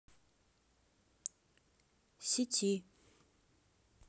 сети